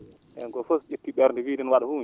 heen gooto fof so ?ettii ?ernde wiide no wa?a huunde